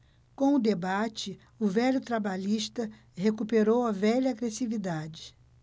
com o debate o velho trabalhista recuperou a velha agressividade